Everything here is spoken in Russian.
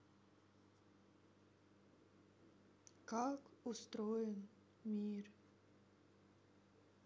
как устроен мир